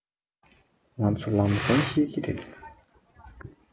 ང ཚོ ལམ སེང ཤེས གྱི རེད